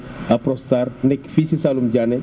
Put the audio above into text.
Apronstar nekk fii si Saalum Diané